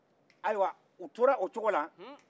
ayiwa u tɔra o cogo la